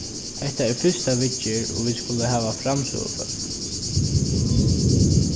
hetta er fyrsta viðgerð og vit skulu hava framsøgufólk